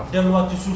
nekk nen